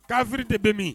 Kaffiri de bɛ min